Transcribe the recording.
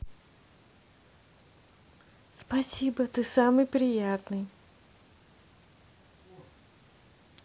спасибо ты самый приятный